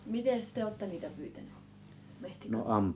mitenkäs te olette niitä pyytänyt metsäkanoja